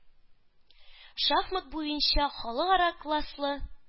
Шахмат буенча халыкара класслы